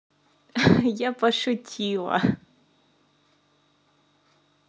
я пошутила